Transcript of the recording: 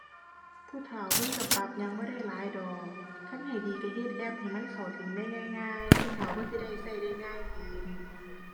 ผู้เฒ่าเพิ่นก็ปรับหยังบ่ได้หลายดอก คันให้ดีก็เฮ็ดแอปให้มันเข้าถึงได้ง่ายง่ายผู้เฒ่าเพิ่นสิได้ก็ได้ง่ายขึ้น